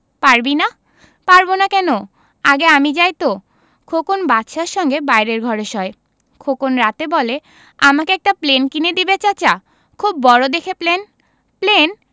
পারবি না পারব না কেন আগে আমি যাই তো খোকন বাদশার সঙ্গে বাইরের ঘরে শোয় খোকন রাতে বলে আমাকে একটা প্লেন কিনে দিবে চাচা খুব বড় দেখে প্লেন প্লেন